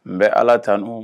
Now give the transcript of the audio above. N bɛ ala tan dun